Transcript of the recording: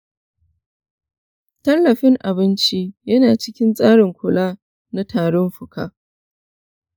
tallafin abinci yana cikin tsarin kula na tarin fuka.